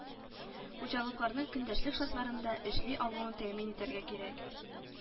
Хуҗалыкларының көндәшлек шартларында эшли алуын тәэмин итәргә кирәк